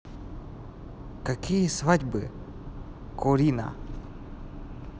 какие свадьбы корина